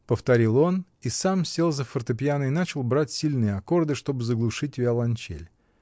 — повторил он и сам сел за фортепиано и начал брать сильные аккорды, чтоб заглушить виолончель.